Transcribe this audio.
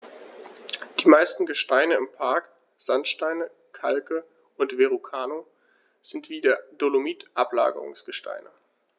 Die meisten Gesteine im Park – Sandsteine, Kalke und Verrucano – sind wie der Dolomit Ablagerungsgesteine.